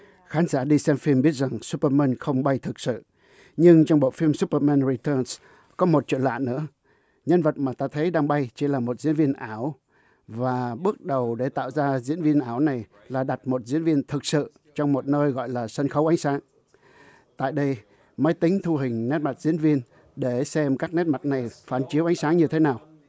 khán giả đi xem phim biết rằng súp bơ mưn không bay thực sự nhưng trong bộ phim súp bơ mưn ri tơn có một chuyện lạ nữa nhân vật mà ta thấy đang bay chỉ là một diễn viên ảo và bước đầu để tạo ra diễn viên áo này là đặt một diễn viên thực sự trong một nơi gọi là sân khấu ánh sáng tại đây máy tính thu hình nét mặt diễn viên để xem các nét mặt này phản chiếu ánh sáng như thế nào